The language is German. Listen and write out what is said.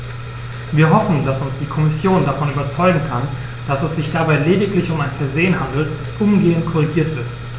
Wir hoffen, dass uns die Kommission davon überzeugen kann, dass es sich dabei lediglich um ein Versehen handelt, das umgehend korrigiert wird.